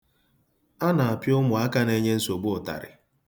A na-apịa ụmụaka na-enye nsogbu ụtarị.